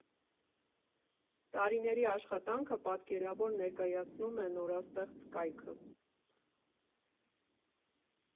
Տարիների աշխատանքը պատկերավոր ներկայացնում է նորաստեղծ կայքը։